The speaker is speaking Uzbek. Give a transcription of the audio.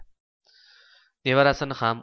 nevarasini ham